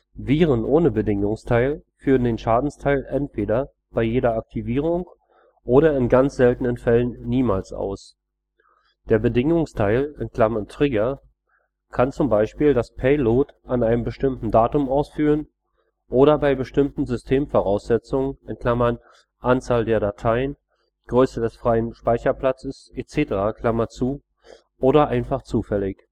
Viren ohne Bedingungsteil führen den Schadensteil entweder bei jeder Aktivierung oder – in ganz seltenen Fällen – niemals aus. Der Bedingungsteil (Trigger) kann zum Beispiel das Payload an einem bestimmten Datum ausführen oder bei bestimmten Systemvoraussetzungen (Anzahl der Dateien, Größe des freien Speicherplatzes, etc.) oder einfach zufällig